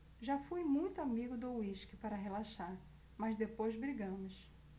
já fui muito amigo do uísque para relaxar mas depois brigamos